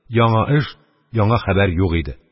Яңа эш, яңа хәбәр юк иде.